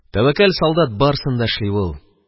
Тәвәккәл солдат барысын да эшли ул